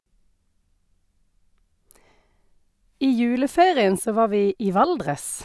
I juleferien så var vi i Valdres.